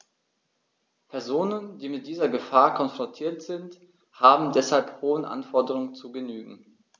Personen, die mit dieser Gefahr konfrontiert sind, haben deshalb hohen Anforderungen zu genügen.